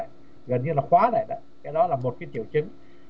gần như là khóa lại lại cái đó là một triệu chứng